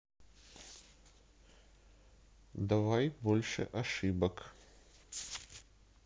давай больше ошибок